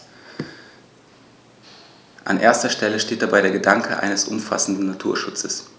An erster Stelle steht dabei der Gedanke eines umfassenden Naturschutzes.